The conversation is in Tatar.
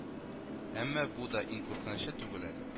Әмма бу да иң куркынычы түгел әле